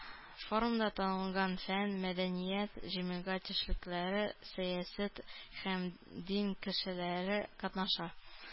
Форумда танылган фән, мәдәният, җәмәгать эшлекләре, сәясәт һәм дин кешеләре катнаша.